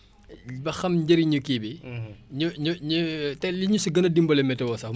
ñu ñu ñu te li ñu si gën a dimbale météo sax mooy projets yii nii